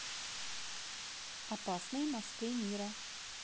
опасные мосты мира